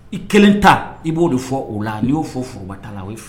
I kelen ta i b'o de fɔ o la n'i'o fɔ forobata la o